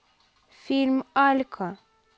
фильм алька